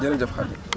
jërëjëf Khady